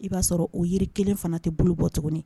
I b'a sɔrɔ o yiri kelen fana tɛ bolo bɔ tuguni